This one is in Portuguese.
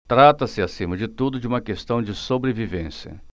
trata-se acima de tudo de uma questão de sobrevivência